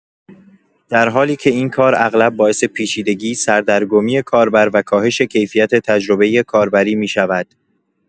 در حالی که این کار اغلب باعث پیچیدگی، سردرگمی کاربر و کاهش کیفیت تجربه کاربری می‌شود.